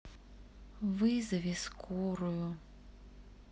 вызови скорую